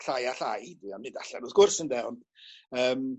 llai a llai dwi am mynd allan wrth gwrs ynde ond yym